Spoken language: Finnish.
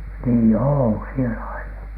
niin on siellä aina